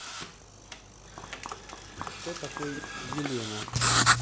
а кто такой елена